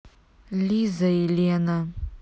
лиза и лена